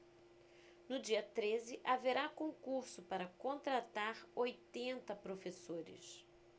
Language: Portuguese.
no dia treze haverá concurso para contratar oitenta professores